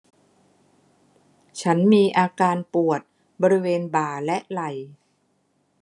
ฉันมีอาการปวดบริเวณบ่าและไหล่